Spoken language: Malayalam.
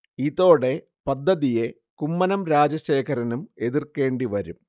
ഇതോടെ പദ്ധതിയെ കുമ്മനം രാജശേഖരനും എതിർക്കേണ്ടി വരും